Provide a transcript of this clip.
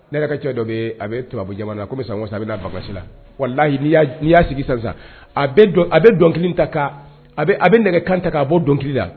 Ne cɛ dɔ a bɛ tubabubu jamana ko kɔmi san sa a bɛ' babasi la wala n'i y'a sigi sisan a a bɛ dɔnkili ta a bɛ nɛgɛ kan ta' a bɔ dɔnkilikili la